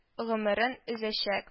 Гомерен өзәчәк